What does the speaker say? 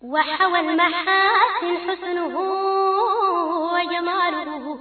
Wadudugu